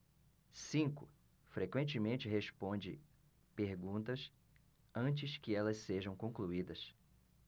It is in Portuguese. cinco frequentemente responde perguntas antes que elas sejam concluídas